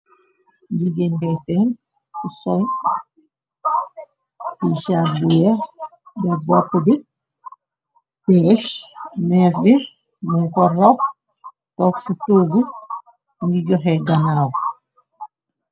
Jigéen ngay seen ku sol t-shirt bu weex, deff bopp bi mees. Mees bi mu korraw, toox ci toogu mingi joxe ganaw.